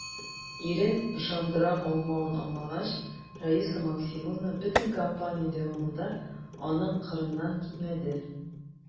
Ирен ышандыра алмавын аңлагач, Раиса Максимовна бөтен кампания дәвамында аның кырыннан китмәде.